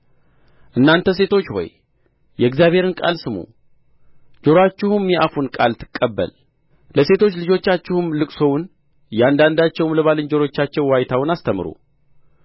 እናንተ ሴቶች ሆይ የእግዚአብሔርን ቃል ስሙ ጆሮአችሁም የአፉን ቃል ትቀበል ለሴቶች ልጆቻችሁም ልቅሶውን እያንዳንዳችሁም ለባልንጀሮቻችሁ ዋይታውን አስተምሩ